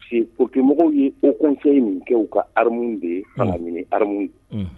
Que pokemɔgɔw ye o kɔnfɛ ye min kɛ u ka harmu de ye minɛ hamu ye